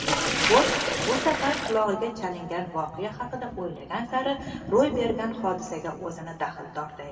lekin bork bu safar qulog'iga chalingan voqea haqida o'ylagan sari ro'y bergan hodisaga o'zini daxldorday